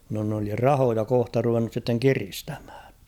no ne oli rahoja kohta ruvennut sitten kiristämään